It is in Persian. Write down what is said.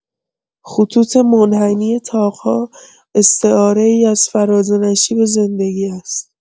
خطوط منحنی طاق‌ها، استعاره‌ای از فراز و نشیب زندگی است.